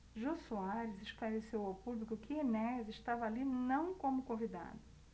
jô soares esclareceu ao público que enéas estava ali não como convidado